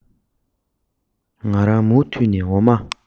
ང རང མུ མཐུད ནས འོ མ